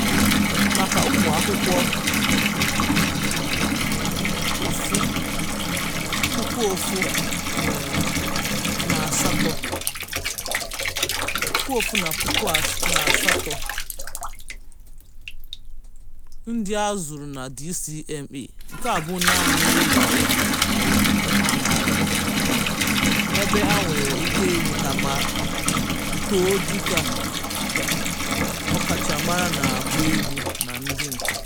Maka ụmụ akwụkwọ 1,800 ndị a zụrụ na DCMA, nke a bụ naanị ụlọ egwu ha maara, ebe ha nwere ike ịmụta ma too dịka ndị ọkachamara na-agụ egwu na ndị ǹkà.